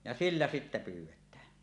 ja sillä sitten pyydetään